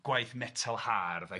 ...gwaith metel hardd... Ia.